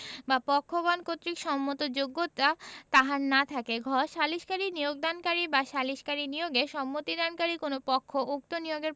বা পক্ষগণ কর্তৃক সম্মত যোগ্যতা তাহার না থাকে গ সালিসকারী নিয়োগদানকারী বা সালিসকারী নিয়োগে সম্মতিদানকারী কোন পক্ষ উক্ত নিয়োগের